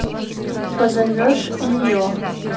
позовешь ее